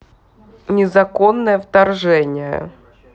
незаконное вторжение